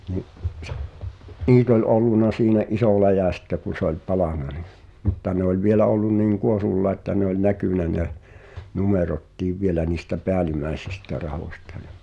niin niitä oli ollut semmoinen iso läjä sitten kun se oli palanut niin mutta ne oli vielä ollut niin kuorulla että ne oli näkynyt ne numerotkin vielä niistä päällimmäisistä rahoista ja